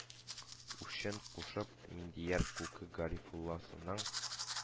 Үчен кушып, миндияр күке гарифулласының